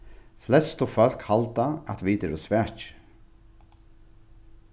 flestu fólk halda at vit eru svakir